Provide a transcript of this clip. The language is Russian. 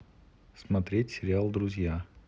смотреть сериал друзья